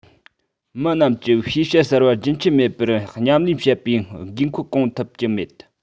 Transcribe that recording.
མི རྣམས ཀྱི ཤེས བྱ གསར པ རྒྱུན ཆད མེད པར ཉམས ལེན བྱེད པའི དགོས མཁོ སྐོང ཐུབ ཀྱི མེད